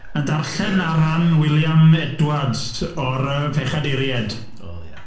Yn darllen ar ran William Edwards o'r yy Pechaduriaid... O, ie.